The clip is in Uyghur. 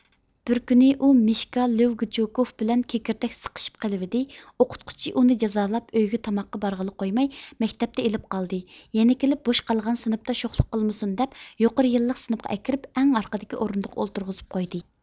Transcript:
بىر كۈنى ئۇ مىشكا لىۋگچۇكوف بىلەن كېكىردەك سىقىشىپ قېلىۋىدى ئوقۇتقۇچى ئۇنى جازالاپ ئۆيگە تاماققا بارغىلى قويماي مەكتەپتە ئېلىپ قالدى يەنە كېلىپ بوش قالغان سىنىپتا شوخلۇق قىلمىسۇن دەپ يۇقىرى يىللىق سىنىپقا ئەكىرىپ ئەڭ ئارقىدىكى ئورۇندۇققا ئولتۇرغۇزۇپ قويدى